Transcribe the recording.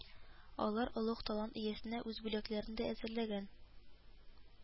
Алар олуг талант иясенә үз бүләкләрен дә әзерләгән